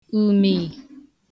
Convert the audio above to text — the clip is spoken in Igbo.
ùmì